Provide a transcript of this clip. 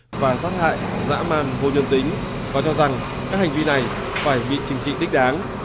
và sát hại dã man vô nhân tính và cho rằng các hành vi này phải bị trừng trị đích đáng